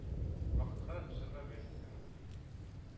Вакытка, чорга бәйсез сәнгате.